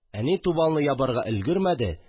Әни тубны ябарга өлгермәде